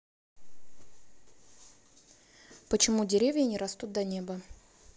почему деревья не растут до неба